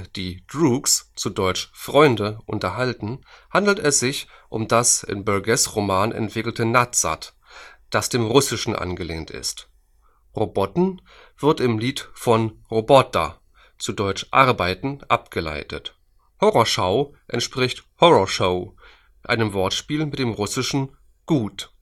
die „ Droogs “(zu deutsch: Freunde) unterhalten, handelt es sich um das in Burgess ' Roman entwickelte Nadsat, das dem Russischen angelehnt ist. „ Roboten “wird im Lied von „ rabota “(zu deutsch: arbeiten) abgeleitet, „ Horrorschau “entspricht „ horror show “, einem Wortspiel mit dem Russischen „ хорошо [xaraˈʃɔ] “-„ gut